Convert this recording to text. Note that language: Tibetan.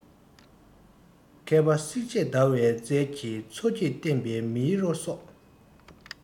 མཁས པས བསྲེགས བཅད བརྡར བའི རྩལ གྱིས མཚོ སྐྱེས བསྟན པའི མེ རོ གསོས